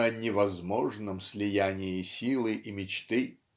о "невозможном слиянии силы и мечты".